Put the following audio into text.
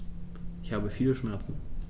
Ich habe viele Schmerzen.